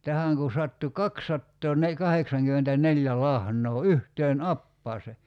tähän kun sattui - kaksisataakahdeksankymmentäneljä lahnaa yhteen apajaan